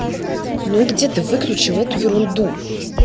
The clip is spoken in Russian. ну и где ты выключил эту ерунду